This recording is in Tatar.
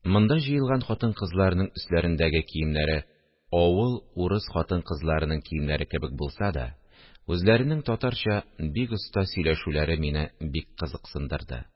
Монда җыелган хатын-кызларның өсләрендәге киемнәре авыл урыс хатын-кызларының киемнәре кебек булса да, үзләренең татарча бик оста сөйләшүләре мине бик кызыксындырды